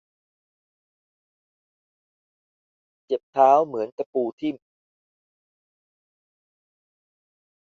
เจ็บเท้าเหมือนตะปูทิ่ม